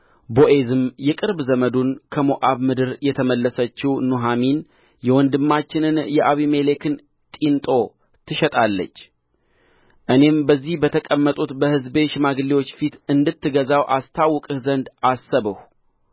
ቦዔዝም የቅርብ ዘመዱን ከሞዓብ ምድር የተመለሰችው ኑኃሚን የወንድማችንን የአቤሜሌክን ጢንጦ ትሸጣለች እኔም በዚህ በተቀመጡት በሕዝቤ ሽማግሌዎች ፊት እንድትገዛው አስታውቅህ ዘንድ አሰብሁ